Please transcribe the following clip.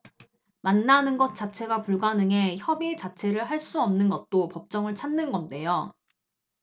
만나는 것 자체가 불가능해 협의 자체를 할 수 없는 것도 법정을 찾는 건데요